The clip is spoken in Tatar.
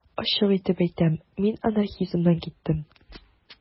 Ачык итеп әйтәм: мин анархизмнан киттем.